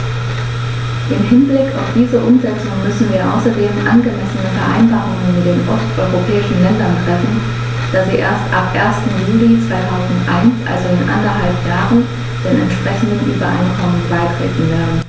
Im Hinblick auf diese Umsetzung müssen wir außerdem angemessene Vereinbarungen mit den osteuropäischen Ländern treffen, da sie erst ab 1. Juli 2001, also in anderthalb Jahren, den entsprechenden Übereinkommen beitreten werden.